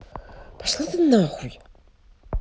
пошла ты нахуй